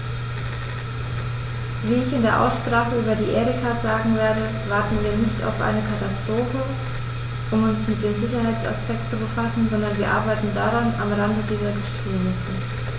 Wie ich in der Aussprache über die Erika sagen werde, warten wir nicht auf eine Katastrophe, um uns mit dem Sicherheitsaspekt zu befassen, sondern wir arbeiten daran am Rande dieser Geschehnisse.